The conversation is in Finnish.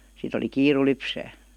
sitten oli kiire lypsää